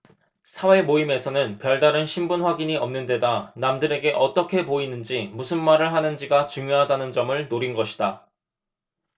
사회모임에서는 별다른 신분 확인이 없는 데다 남들에게 어떻게 보이는지 무슨 말을 하는지가 중요하다는 점을 노린 것이다